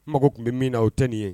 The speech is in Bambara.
N mako tun bɛ min na o tɛ nin ye.